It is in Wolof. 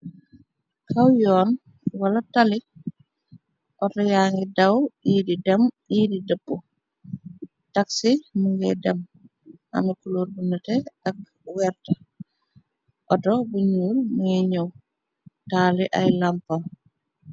Kaw yoon wala tali oto ya ngi daw yii di dem yii di dëpp. Taxi mu ngay dem am kuloor bu nete ak vert. oto bu ñuul mu ngi ñëw taali ay lampam.